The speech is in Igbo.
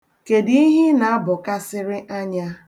Kedụ ihe ị na-abọkasịrị anya?